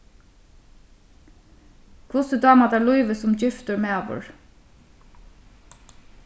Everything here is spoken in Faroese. hvussu dámar tær lívið sum giftur maður